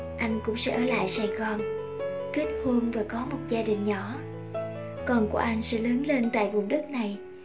anh cũng sẽ ở lại sài gòn kết hôn và có một gia đình nhỏ con của anh sẽ lớn lên tại vùng đất này